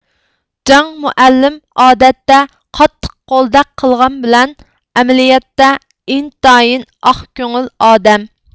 جاڭ مۇئەللىم ئادەتتە قاتتىق قولدەك قىلغان بىلەن ئەمەلىيەتتە ئىنتايىن ئاق كۆڭۈل ئادەم